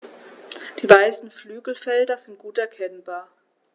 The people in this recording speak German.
Die weißen Flügelfelder sind gut erkennbar.